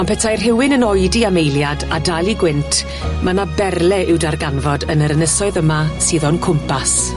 ond petai rhywun yn oedi am eiliad a dal i gwynt, ma' 'na berle i'w darganfod yn yr ynysoedd yma sydd o'n cwmpas.